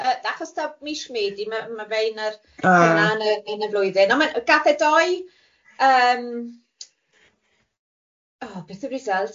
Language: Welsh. Oce yy achos da mish Medi ma' ma' fe un ar yna yn y un o flwyddyn ond ma' gath e dou yym, o beth yw result?